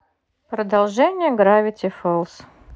продолжение гравити фолз